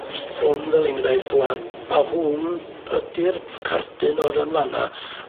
Hwn fel enghraifft ŵan a hwn ydi'r cardyn oedd yn fan 'na